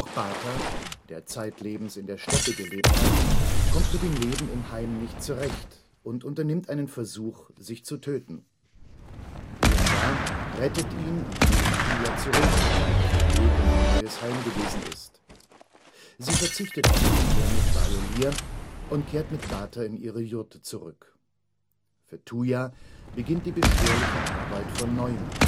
Bater, der zeitlebens in der Steppe gelebt hat, kommt mit dem Leben im Heim nicht zurecht und unternimmt einen Versuch, sich zu töten. Sen'ge rettet ihn und ruft Tuya zurück, die auf dem Weg in ihr neues Heim gewesen ist. Sie verzichtet auf die Ehe mit Baolier und kehrt mit Bater in ihre Jurte zurück. Für Tuya beginnt die beschwerliche Arbeit von Neuem